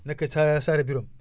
nekk sa Saare Birame